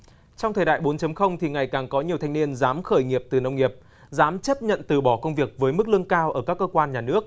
trong thời đại bốn chấm không thì ngày càng có nhiều thanh niên dám khởi nghiệp từ nông nghiệp dám chấp nhận từ bỏ công việc với mức lương cao ở các cơ quan nhà nước